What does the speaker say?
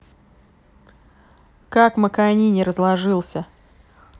как маканине разложился